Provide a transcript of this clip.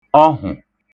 ọhwụ̀